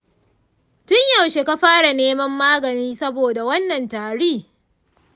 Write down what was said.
tun yaushe ka fara neman magani saboda wannan tari?